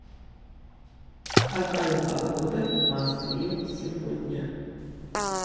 какая погода в москве сегодня